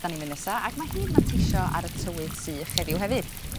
... 'dan ni'n myn' nesa ag ma' hi'n manteisio ar y tywydd sych heddiw hefyd.